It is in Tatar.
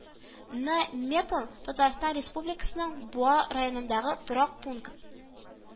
Ны мертл татарстан республикасының буа районындагы торак пункт